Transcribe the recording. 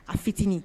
A fitinin